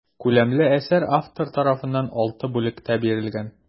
Күләмле әсәр автор тарафыннан алты бүлектә бирелгән.